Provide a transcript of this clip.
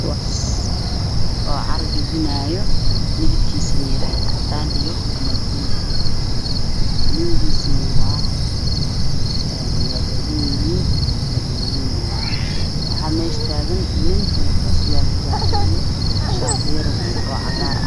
Waa gaari isa rogo oo caddaan ah oo cid daadinayo waana gaari weyn waxaa ag taagan nin